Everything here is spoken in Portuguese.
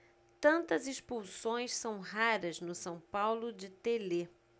tantas expulsões são raras no são paulo de telê